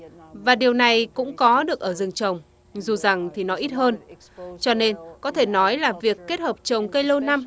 và điều này cũng có được ở rừng trồng dù rằng thì nó ít hơn cho nên có thể nói là việc kết hợp trồng cây lâu năm